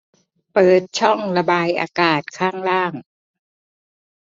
เปิดช่องระบายอากาศข้างล่าง